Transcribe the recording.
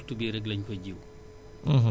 waxtu bii rekk lañ ko jiwu